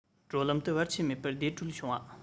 འགྲོ ལམ དུ བར ཆད མེད པར བདེ བགྲོད བྱུང བ